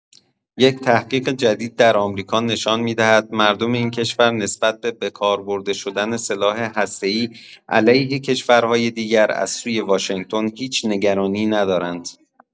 یک تحقیق جدید در آمریکا نشان می‌دهد مردم این کشور نسبت به بکار برده شدن سلاح هسته‌ای علیه کشورهای دیگر از سوی واشنگتن هیچ نگرانی ندارند.